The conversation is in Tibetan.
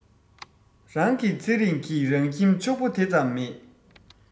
རང གི ཚེ རིང གི རང ཁྱིམ ཕྱུག པོ དེ ཙམ མེད